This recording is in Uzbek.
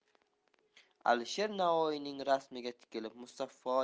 alisher navoiyning rasmiga tikilib musaffo